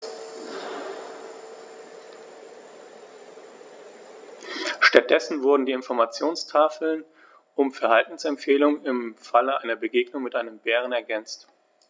Stattdessen wurden die Informationstafeln um Verhaltensempfehlungen im Falle einer Begegnung mit dem Bären ergänzt.